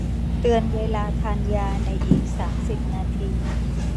เตือนเวลาทานยาในอีกสามสิบนาที